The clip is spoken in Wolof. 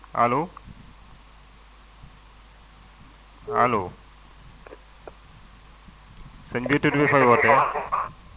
allo allo sën bi tur bi fooy wootee